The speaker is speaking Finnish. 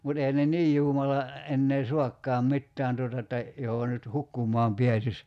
mutta eihän ne niin juumalla enää saakaan mitään tuota että johon nyt hukkumaan pääsisi